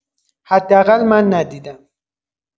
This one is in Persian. حداقل من ندیدم